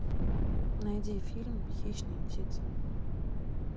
найди фильм хищные птицы